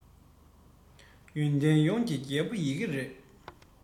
ཡོན ཏན ཡོངས ཀྱི རྒྱལ པོ ཡི གེ རེད